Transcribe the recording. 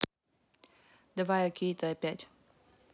давай окей то опять